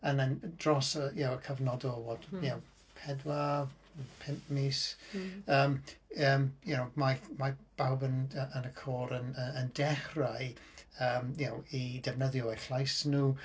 And then dros y y'know y cyfnod o y'know pedwar pump mis yym yym y'know, mae mae bawb yn yn y côr yn yy dechrau yym y'know i defnyddio eu llais nhw.